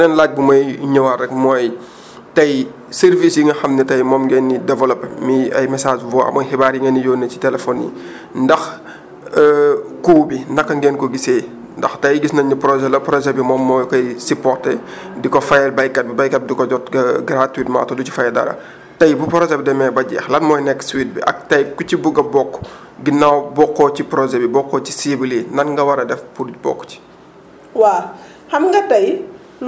donc beneen laaj bu may ñëwaat rek mooy tey service yi nga xam ne tey moom ngeen ñu développé muy ay messages voix mooy xibaar yi ngeen di yónnee ci téléphone yi ndax coût bi naka ngeen ko gisee ndax tey gis nañu ne projet la projet bi moom moo koy supporté di ko fayal béykat bi béykat bi di ko jot gratuitement te du ci fay dara tey bu projet bi demee ba jeex lan mooy nekk suite bi ak tey ku ci bëgg a bokk ginnaaw bokkoo ci projet bi bokkoo ci cible yi nan nga war a def pour bokk ci